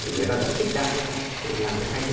người ta rất thích đan cái khay tức là làm cái khay